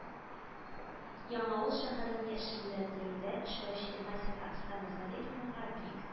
Яңавыл шәһәрен яшелләндерүдә эшләүче мастер Оксана Зариповага бик